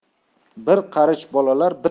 bir qarich bolalar